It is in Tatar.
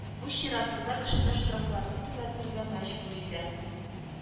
Үз чиратында, кешене штрафларын түләтергә мәҗбүр итә